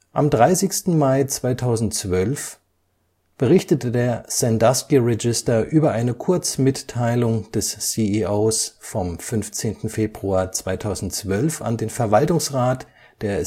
Am 30. Mai 2012 berichtete der Sandusky Register über eine Kurzmitteilung, die Ouimet am 15. Februar 2012 an den Verwaltungsrat der